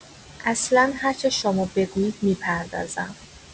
اصلا هرچه شما بگویید می‌پردازم.